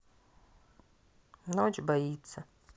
ночь боится